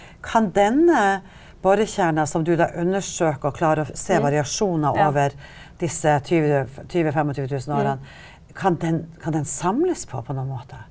kan denne borekjerna som du da undersøker og klarer å se variasjoner over disse 20 20 25000 årene, kan den kan den samles på på noen måte?